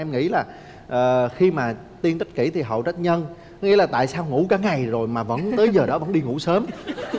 em nghĩ là khi mà tiên trách kỉ thì hậu trách nhân nghĩa là tại sao ngủ cả ngày rồi mà vẫn tới giờ đó vẫn đi ngủ sớm